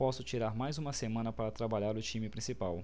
posso tirar mais uma semana para trabalhar o time principal